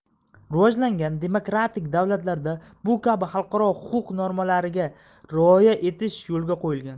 rivojlangan demokratik davlatlarda bu kabi xalqaro huquq normalariga rioya etish yo'lga qo'yilgan